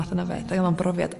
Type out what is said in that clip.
math yna o beth ac oddo'n brofiad